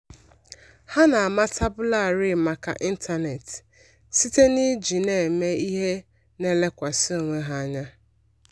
- Ha na-amatabularị maka ịntanetị, site n’iji na-eme ihe na-elekwasị onwe ha anya.